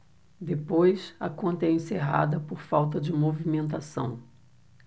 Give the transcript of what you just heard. depois a conta é encerrada por falta de movimentação